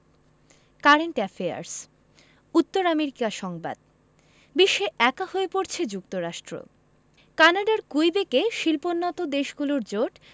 current affairs উত্তর America সংবাদ বিশ্বে একা হয়ে পড়ছে যুক্তরাষ্ট্র কানাডার কুইবেকে শিল্পোন্নত দেশগুলোর জোট